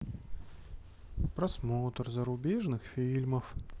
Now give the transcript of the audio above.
просмотр зарубежных фильмов